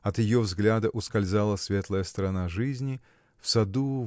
От ее взгляда ускользала светлая сторона жизни. В саду